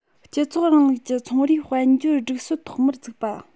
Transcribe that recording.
སྤྱི ཚོགས རིང ལུགས ཀྱི ཚོང རའི དཔལ འབྱོར སྒྲིག སྲོལ ཐོག མར བཙུགས པ